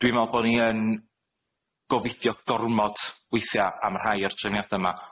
Dwi'n me'wl bo' ni yn gofidio gormod weithia' am rhai o'r trefniada 'ma,